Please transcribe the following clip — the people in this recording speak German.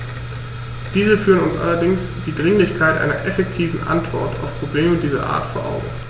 Diese führen uns allerdings die Dringlichkeit einer effektiven Antwort auf Probleme dieser Art vor Augen.